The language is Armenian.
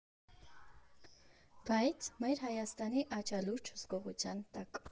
Բայց՝ Մայր Հայաստանի աչալուրջ հսկողության տակ։